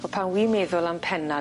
Wel pan wi'n meddwl am Pennal...